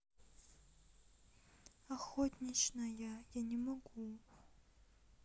охотничная я не могу